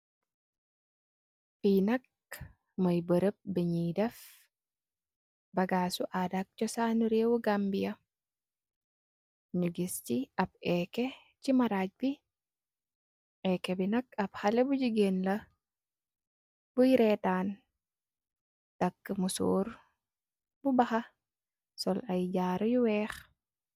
Bi nak moi berembu nyu def bagassu ada ak chosanu reewi Gambia nyu giss si ab ekeh si marag bi ekeh bi nak ap xalex bu jigeen la moi retan taka musurr bu baha sol ay jaaru yu weex.